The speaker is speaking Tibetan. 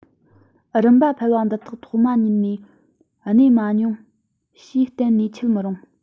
རིམ པ འཕར བ འདི དག ཐོག མ ཉིད ནས གནས མ མྱོང ཞེས གཏན ནས འཆད མི རུང